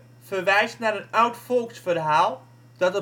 verwijst naar een oud volksverhaal, dat